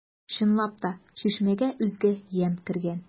Чынлап та, чишмәгә үзгә ямь кергән.